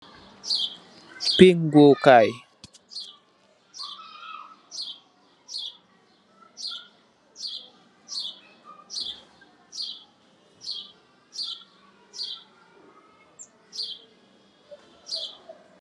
Peugoa kaay.